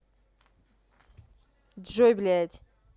джой блядь